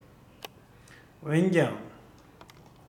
འོན ཀྱང